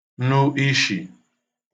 nụ ishì